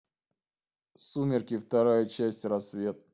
сумерки вторая часть рассвет